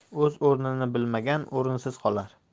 o'z o'rnini bilmagan o'rinsiz qolar